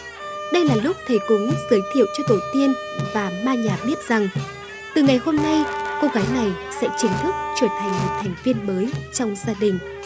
đây là lúc thầy cúng giới thiệu cho tổ tiên và ma nhà biết rằng từ ngày hôm nay cô gái này sẽ chính thức trở thành một thành viên mới trong gia đình